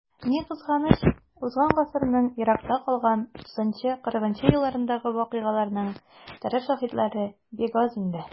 Ни кызганыч, узган гасырның еракта калган 30-40 нчы елларындагы вакыйгаларның тере шаһитлары бик аз инде.